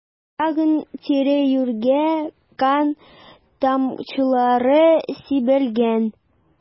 Тагын тирә-юньгә кан тамчылары сибелгән.